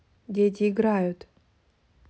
дети играют